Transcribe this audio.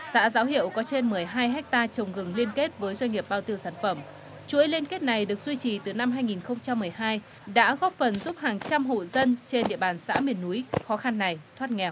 xã giáo hiệu có trên mười hai héc ta trồng gừng liên kết với doanh nghiệp bao tiêu sản phẩm chuỗi liên kết này được duy trì từ năm hai nghìn không trăm mười hai đã góp phần giúp hàng trăm hộ dân trên địa bàn xã miền núi khó khăn này thoát nghèo